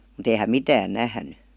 mutta ei hän mitään nähnyt